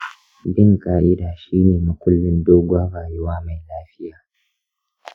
bin ƙa'ida shne makullin dogon rayuwa mai lafiya.